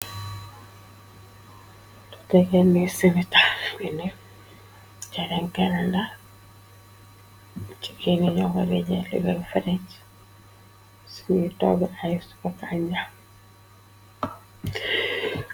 Totekenni sini taxfe nef jareen kennda ci kiyni ñoxore ja ligal farec sunu toga ay suko fanja.